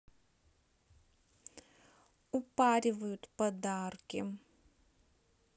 упаривают подарки